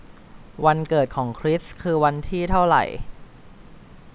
วันเกิดของคริสคือวันที่เท่าไร